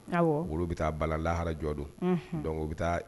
Awɔ Olu bi balan laharajɔ don Unhun donc u bɛ